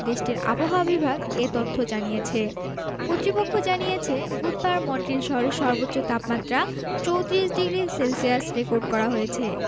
দেশটির আবহাওয়া বিভাগ এ তথ্য জানিয়েছে কর্তৃপক্ষ জানিয়েছে বুধবার মন্ট্রিল শহরে সর্বোচ্চ তাপমাত্রা ৩৪ ডিগ্রি সেলসিয়াস রেকর্ড করা হয়েছে